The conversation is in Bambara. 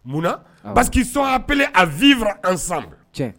Mun na parcequ' ils sont appelés à vivre ensemble